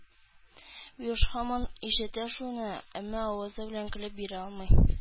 Биюш һаман ишетә шуны, әмма авызы белән көйләп бирә алмый.